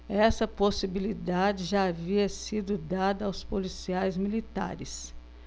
essa possibilidade já havia sido dada aos policiais militares